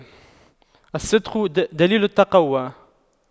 الصدق دليل التقوى